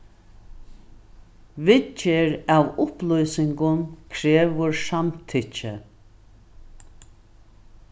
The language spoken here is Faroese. viðgerð av upplýsingum krevur samtykki